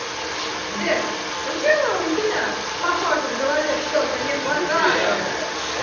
сбер почему у тебя похоже в голове что то и не хватает